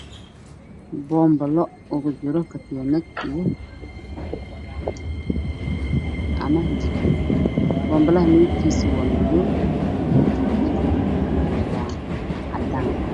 Boonbalo oo kujiran kartiinad iyo faranti ama jijimo boombalaha midabkiisu waa madoow katiinada midabkeedu waa cadaan